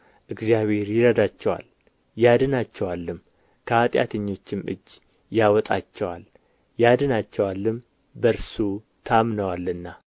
እግዚአብሔር ይረዳቸዋል ያድናቸዋልም ከኃጢአተኞችም እጅ ያወጣቸዋል ያድናቸዋል በእርሱ ታምነዋልና